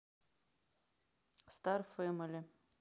стар фэмили